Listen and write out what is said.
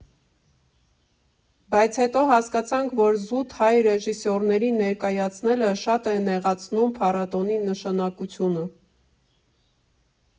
Բայց հետո հասկացանք, որ զուտ հայ ռեժիսորներին ներկայացնելը շատ է նեղացնում փառատոնի նշանակությունը։